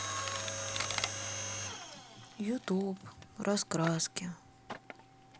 ютуб раскраски